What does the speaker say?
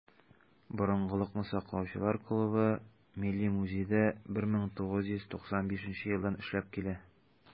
"борынгылыкны саклаучылар" клубы милли музейда 1995 елдан эшләп килә.